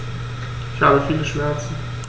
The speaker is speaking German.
Ich habe viele Schmerzen.